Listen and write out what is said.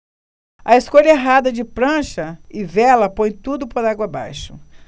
a escolha errada de prancha e vela põe tudo por água abaixo